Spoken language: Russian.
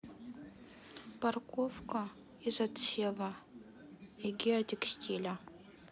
парковка из отсева и геотекстиля